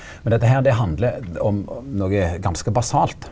men dette her det handlar om noko ganske basalt.